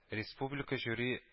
Республика жюри